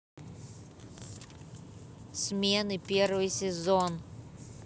смены первый сезон